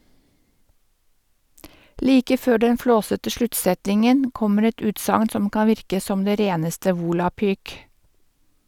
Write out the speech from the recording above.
Like før den flåsete sluttsetningen, kommer et utsagn som kan virke som det reneste volapyk.